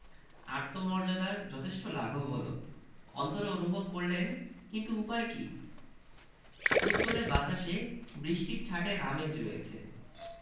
আত্মমর্যাদার যথেষ্ট লাঘব হলো অন্তরে অনুভব করলেন কিন্তু উপায় কি উত্তরে বাতাসে বৃষ্টির ছাঁটের আমেজ রয়েছে